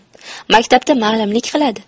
maktabda malimlik qiladi